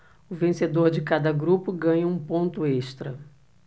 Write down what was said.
o vencedor de cada grupo ganha um ponto extra